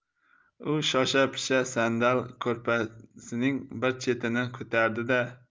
u shosha pisha sandal ko'rpasining bir chetini ko'tardi da